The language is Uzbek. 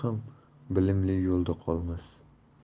ham bilimli yo'lda qolmas